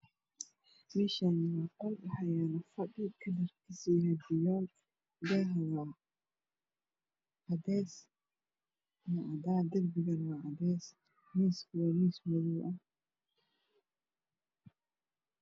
Meshani waa qol waxa yaalo fadhi midabkisa u yahy biyol daahana waa cades ama cadan darbigana waa cadan miskana waa mis madow ah